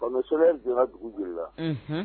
Fa sɛbɛn donna ka dugu jira la